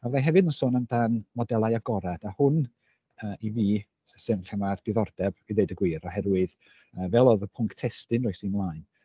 A fydda i hefyd yn sôn amdan modelau agored a hwn yy i fi sy'n lle mae'r diddordeb, i ddeud y gwir, oherwydd yy fel oedd y pwnc testun roes i ymlaen.